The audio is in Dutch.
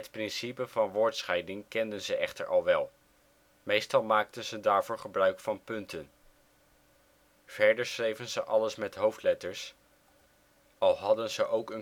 principe van woordscheiding kenden ze echter al wel; meestal maakten ze daarvoor gebruik van punten. Verder schreven ze alles met hoofdletters, al hadden ze ook